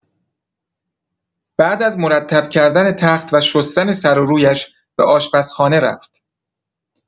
بعد از مرتب کردن تخت و شستن سر و رویش به آشپزخانه رفت.